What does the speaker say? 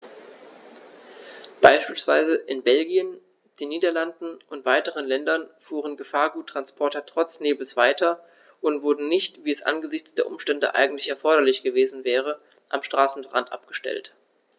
Beispielsweise in Belgien, den Niederlanden und weiteren Ländern fuhren Gefahrguttransporter trotz Nebels weiter und wurden nicht, wie es angesichts der Umstände eigentlich erforderlich gewesen wäre, am Straßenrand abgestellt.